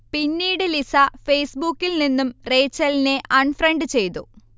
പിന്നീട് ലിസ ഫേസ്ബുക്കിൽനിന്ന് റേച്ചലിനെ അൺഫ്രണ്ട് ചെയ്തു